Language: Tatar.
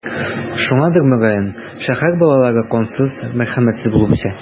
Шуңадыр, мөгаен, шәһәр балалары кансыз, мәрхәмәтсез булып үсә.